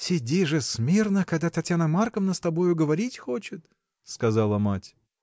— Сиди же смирно, когда Татьяна Марковна с тобою говорить хочет, — сказала мать.